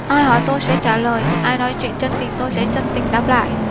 ai hỏi tôi sẽ trả lời ai nói chuyện chân tình tôi sẽ chân tình đáp lại